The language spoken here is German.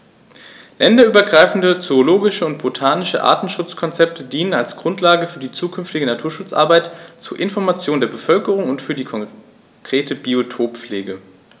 Länderübergreifende zoologische und botanische Artenschutzkonzepte dienen als Grundlage für die zukünftige Naturschutzarbeit, zur Information der Bevölkerung und für die konkrete Biotoppflege.